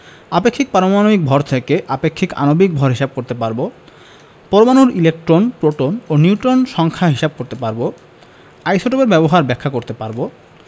আপেক্ষিক পারমাণবিক ভর থেকে আপেক্ষিক আণবিক ভর হিসাব করতে পারব পরমাণুর ইলেকট্রন প্রোটন ও নিউট্রন সংখ্যা হিসাব করতে পারব আইসোটোপের ব্যবহার ব্যাখ্যা করতে পারব